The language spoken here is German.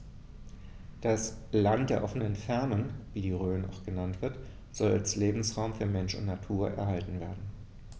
Das „Land der offenen Fernen“, wie die Rhön auch genannt wird, soll als Lebensraum für Mensch und Natur erhalten werden.